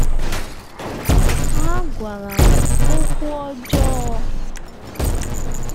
Ha gwara m okwu ọjọọ!